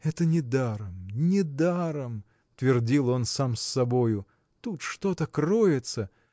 Это недаром, недаром, – твердил он сам с собою, – тут что-то кроется!